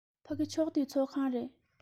ཕ གི ཕྱོགས བསྡུས ཚོགས ཁང རེད